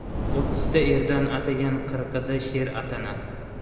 o'ttizida er atangan qirqida sher atanar